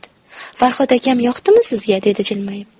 farhod akam yoqdimi sizga dedi jilmayib